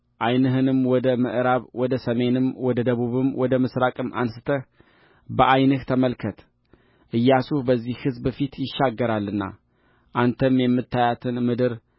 ዓይንህንም ወደ ምዕራብ ወደ ሰሜንም ወደ ደቡብም ወደ ምሥራቅም አንሥተህ በዓይንህ ተመልከትኢያሱ በዚህ ሕዝብ ፊት ይሻገራልና አንተም የምታያትን ምድር